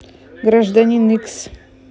гражданин икс